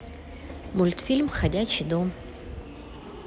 мультфильм ходячий дом